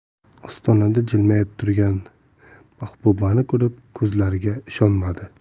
ostonada jilmayib turgan mahbubani ko'rib ko'zlariga ishonmadi